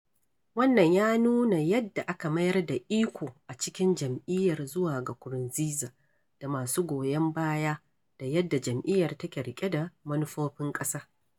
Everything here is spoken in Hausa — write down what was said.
Wannan ya nuna yadda aka mayar da iko a cikin jam'iyyar zuwa ga Nkurunziza da masu goyon baya, da yadda jam'iyyar take riƙe da manufofin ƙasa.